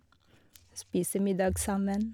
Spise middag sammen.